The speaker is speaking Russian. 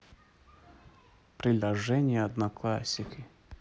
приложение одноклассники